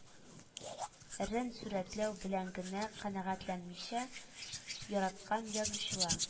Рен сурәтләү белән генә канәгатьләнмичә, яраткан язучыла